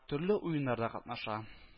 Төрле уеннарда катнаша